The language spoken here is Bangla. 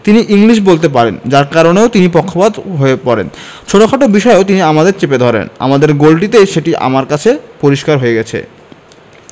তিনি ইংলিশ বলতে পারেন যার কারণেও তিনি পক্ষপাত হয়ে পড়েন ছোটখাট বিষয়েও তিনি আমাদের চেপে ধরেন আমাদের গোলটিতেই সেটি আমার কাছে পরিস্কার হয়ে গেছে